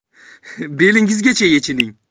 belingizgacha yechining